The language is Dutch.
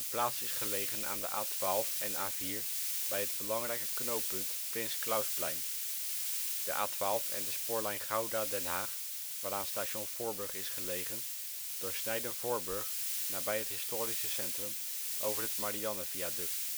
is gelegen aan de A12 en A4 bij het belangrijke knooppunt Prins Clausplein. De A12 en de spoorlijn Gouda - Den Haag (waaraan station Voorburg is gelegen) doorsnijden Voorburg nabij het historische centrum, over het Marianneviaduct